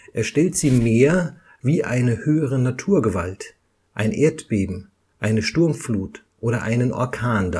Er stellt sie mehr wie eine höhere Naturgewalt, ein Erdbeben, eine Sturmflut oder einen Orkan